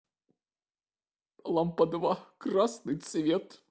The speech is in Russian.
лампа два красный цвет